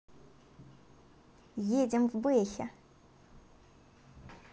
едем в бэхе